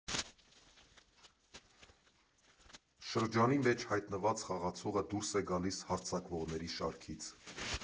Շրջանի մեջ հայտնված խաղացողը դուրս է գալիս հարձակվողների շարքից։